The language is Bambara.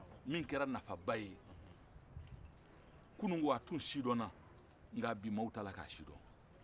min kɛra nafaba ye kunun o a tun sidɔnna nka bi maaw t'a la ka sidɔn